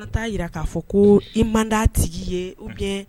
N fana t'a jira k'a fɔ ko i man tigi ye u